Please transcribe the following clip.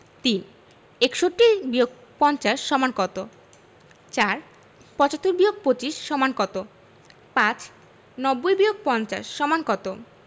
৩ ৬১বিয়োগ৫০ সমান কত ৪ ৭৫বিয়োগ২৫ সমান কত ৫ ৯০বিয়োগ৫০ সমান কত